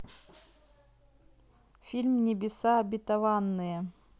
фильм небеса обетованные